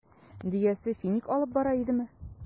Дөясе финик алып бара идеме?